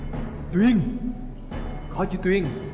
tuyên có chưa tuyên